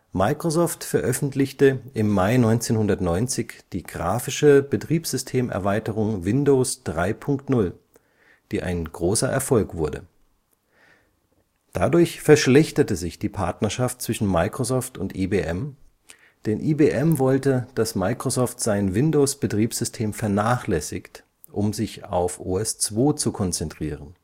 Microsoft veröffentlichte im Mai 1990 die grafische Betriebssystemerweiterung Windows 3.0, die ein großer Erfolg wurde. Dadurch verschlechterte sich die Partnerschaft zwischen Microsoft und IBM, denn IBM wollte, dass Microsoft sein Windows-Betriebssystem vernachlässigt, um sich auf OS/2 zu konzentrieren